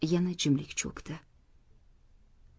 yana jimlik cho'kdi